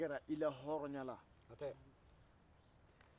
n b'a misali ta masakɛ dɔ de ma